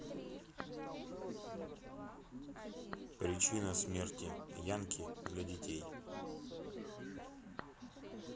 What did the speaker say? причина смерти янки для детей